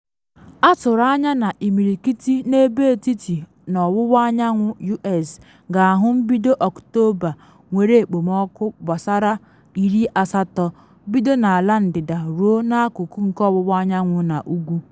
Atụrụ anya na imirikiti n’ebe etiti na ọwụwa anyanwụ U.S. ga-ahụ mbido Ọktọba nwere ekpomọkụ gbasara 80s bido na Ala Ndịda ruo n’akụkụ nke Ọwụwa anyanwụ na ugwu.